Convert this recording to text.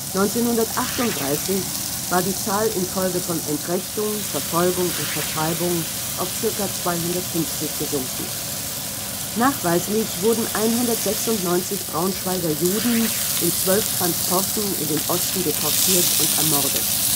1938 war die Zahl infolge von Entrechtung, Verfolgung und Vertreibung auf ca. 250 gesunken. Nachweislich wurden 196 Braunschweiger Juden in 12 Transporten in den Osten deportiert und ermordet